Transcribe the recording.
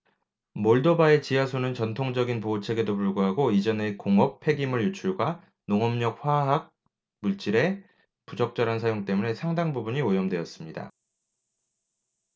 몰도바의 지하수는 전통적인 보호책에도 불구하고 이전의 공업 폐기물 유출과 농업용 화학 물질의 부적절한 사용 때문에 상당 부분이 오염되었습니다